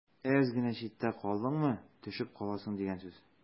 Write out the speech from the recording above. Әз генә читтә калдыңмы – төшеп каласың дигән сүз.